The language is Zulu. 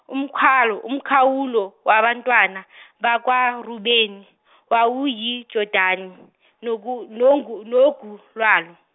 umkalo- umkhawulo wabantwana bakwa- Rubeni wawuyi- Jordani nogu nongu- nogu lwalo.